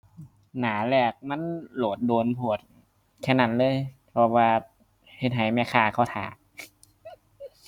หน้าแรกมันโหลดโดนโพด แค่นั้นเลย เพราะว่าเฮ็ดให้แม่ค้าเขาท่า